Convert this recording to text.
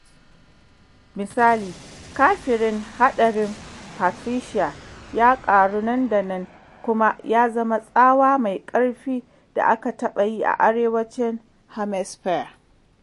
Misali, kafirin hadarin Patricia ya ƙaru nan da nan kuma ya zama tsawa mai ƙarfi da aka taɓa yi a Arewacin Hemisphare.